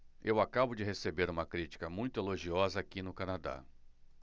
eu acabo de receber uma crítica muito elogiosa aqui no canadá